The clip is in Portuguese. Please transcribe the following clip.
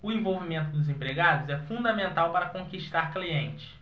o envolvimento dos empregados é fundamental para conquistar clientes